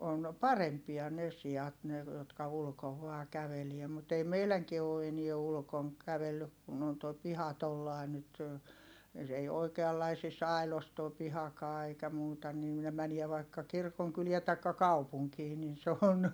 on parempia ne siat ne jotka ulkona vain käveli mutta ei meidänkään ole enää ulkona kävellyt kun on tuo piha tuolla lailla nyt se ei oikeanlaisissa aidoissa tuo pihakaan eikä muuta niin ne menee vaikka kirkonkyliin tai kaupunkiin niin se on